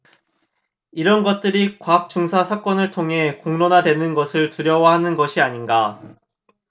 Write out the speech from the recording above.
이런 것들이 곽 중사 사건을 통해 공론화되는 것을 두려워하는 것이 아닌가